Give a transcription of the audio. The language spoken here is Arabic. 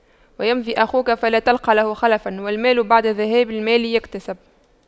يمضي أخوك فلا تلقى له خلفا والمال بعد ذهاب المال يكتسب